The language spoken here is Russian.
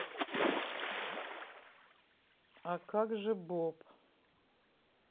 а как же боб